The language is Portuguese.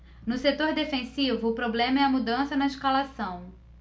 no setor defensivo o problema é a mudança na escalação